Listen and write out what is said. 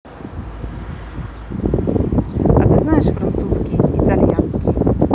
а ты знаешь французский итальянский